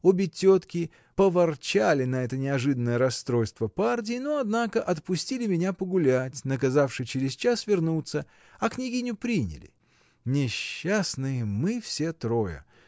Обе тетки поворчали на это неожиданное расстройство партии, но, однако, отпустили меня погулять, наказавши через час вернуться, а княгиню приняли. Несчастные мы все трое!